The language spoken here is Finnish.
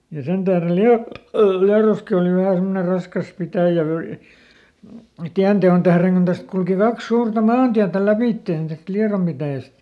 ja sen tähden - Liedossakin oli vähän semmoinen raskas pitäjä - tien teon tähden kun tästä kulki kaksi suurta maantietä lävitse tästä Liedon pitäjästä